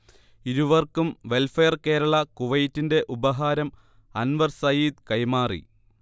ഇരുവർക്കും വെൽഫെയർ കേരള കുവൈറ്റിന്റെ ഉപഹാരം അൻവർ സയീദ് കൈമാറി